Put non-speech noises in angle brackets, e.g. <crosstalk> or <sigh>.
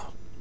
<hesitation>